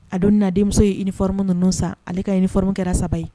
A don na denmuso ye uniformes minnu san ale ka uniforme kɛ la 3 ye.